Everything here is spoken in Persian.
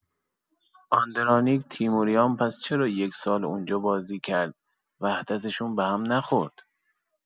آندرانیک تیموریان پس چرا ۱سال اونجا بازی کرد وحدتشون بهم نخورد؟